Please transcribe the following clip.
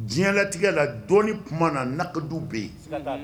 Diɲɛlatigɛ la dɔi tuma na nakadi bɛ yen